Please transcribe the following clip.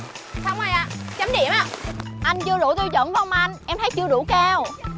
xong rồi ạ chấm điểm ạ anh chưa đủ tiêu chuẩn phải hông anh em thấy chưa đủ cao